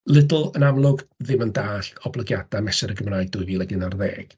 Lidl yn amlwg ddim yn dallt oblygiadau Mesur y Gymraeg dwy fil ac unarddeg.